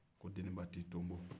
ko deniba t'i tonbo